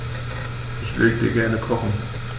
Ich würde gerne kochen.